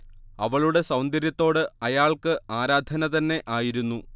അവളുടെ സൗന്ദര്യത്തോട് അയാൾക്ക് ആരാധന തന്നെ ആയിരുന്നു